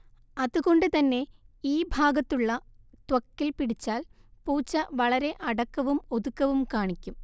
അതുകൊണ്ട് തന്നെ ഈ ഭാഗത്തുള്ള ത്വക്കിൽ പിടിച്ചാൽ പൂച്ച വളരെ അടക്കവും ഒതുക്കവും കാണിക്കും